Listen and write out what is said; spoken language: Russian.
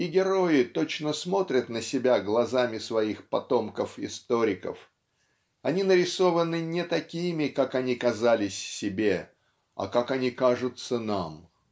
и герои точно смотрят на себя глазами своих потомков-историков они нарисованы не такими как они казались себе а как они кажутся нам.